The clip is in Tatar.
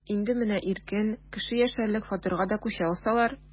Инде менә иркен, кеше яшәрлек фатирга да күчә алсалар...